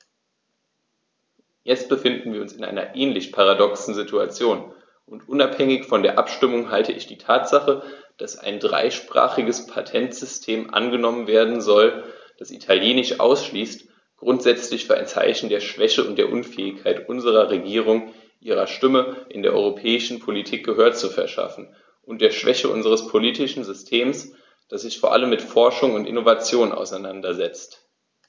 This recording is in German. Jetzt befinden wir uns in einer ähnlich paradoxen Situation, und unabhängig von der Abstimmung halte ich die Tatsache, dass ein dreisprachiges Patentsystem angenommen werden soll, das Italienisch ausschließt, grundsätzlich für ein Zeichen der Schwäche und der Unfähigkeit unserer Regierung, ihrer Stimme in der europäischen Politik Gehör zu verschaffen, und der Schwäche unseres politischen Systems, das sich vor allem mit Forschung und Innovation auseinandersetzt.